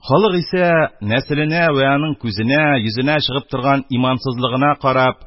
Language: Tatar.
Халык исә, нәселенә вә аның күзенә, йөзенә чыгып торган имансызлыгына карап,